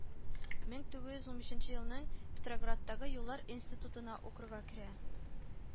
Мең тугыз унбишенче елның петроградтагы юллар институтына укырга керә